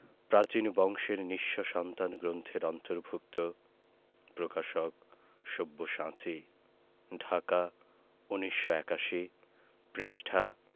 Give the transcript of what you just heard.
প্রাচীন বংশের নিঃস্ব সন্তান গ্রন্থের অন্তর্ভুক্ত প্রকাশক সব্যসাচী ঢাকা ১৯৮১ পৃষ্ঠা